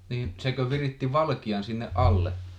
niin sekö viritti valkean sinne alle